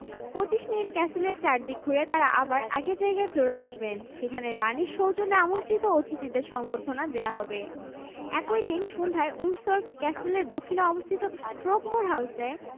নবদম্পতির জন্য নৈশভোজের আয়োজন করবেন হ্যারির বাবা প্রিন্স চার্লস এই ভোজে রাজপরিবারের সদস্য আর খুব কাছের বন্ধুরা মিলে মাত্র ২০০ জন থাকতে পারবেন